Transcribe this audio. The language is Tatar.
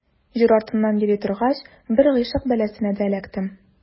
Җыр артыннан йөри торгач, бер гыйшык бәласенә дә эләктем.